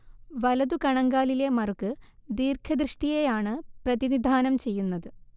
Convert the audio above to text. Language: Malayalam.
വലതു കണങ്കാലിലെ മറുക് ദീര്ഘദൃഷ്ടിയെ ആണ് പ്രതിനിധാനം ചെയ്യുന്നത്